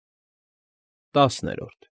ՏԱՍԵՐՈՐԴ։